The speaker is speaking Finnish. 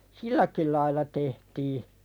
silläkin lailla tehtiin